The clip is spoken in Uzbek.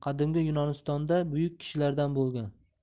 qadimgi yunonistonda buyuk kishilardan bo'lgan